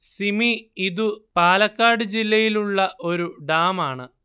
സിമി ഇതു പാലക്കാട് ജില്ലയിലുള്ള ഒരു ഡാം ആണ്